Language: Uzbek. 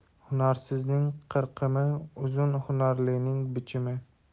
hunarsizning qirqimi uzun hunarlining bichimi